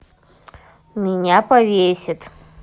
меня повесит